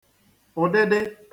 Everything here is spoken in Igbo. ụ̀dịdị